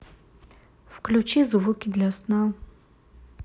включи звуки для сна